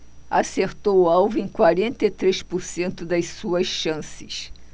acertou o alvo em quarenta e três por cento das suas chances